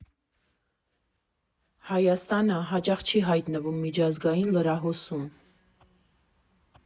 Հայաստանը հաճախ չի հայտնվում միջազգային լրահոսում։